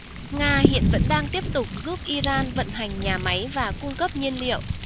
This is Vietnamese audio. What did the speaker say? nga hiện vẫn đang tiếp tục giúp iran vận hành nhà máy và cung cấp nhiên liệu